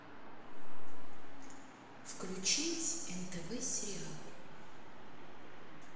включить нтв сериал